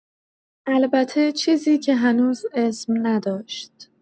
البته چیزی که هنوز اسم نداشت.